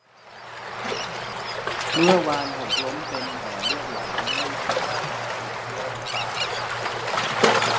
เมื่อวานหกล้มเป็นแผลเลือดไหลไม่รู้ว่าแผลติดเชื้อหรือเปล่า